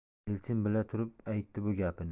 elchin bila turib aytdi bu gapni